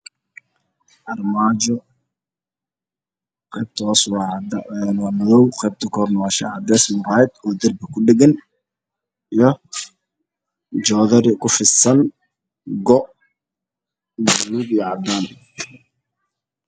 Armaajo qeybta hoose waa madow